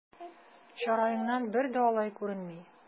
Чыраеңнан бер дә алай күренми!